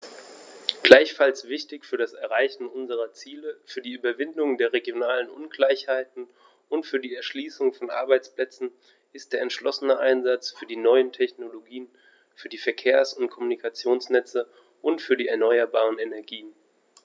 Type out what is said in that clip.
Gleichfalls wichtig für das Erreichen unserer Ziele, für die Überwindung der regionalen Ungleichheiten und für die Erschließung von Arbeitsplätzen ist der entschlossene Einsatz für die neuen Technologien, für die Verkehrs- und Kommunikationsnetze und für die erneuerbaren Energien.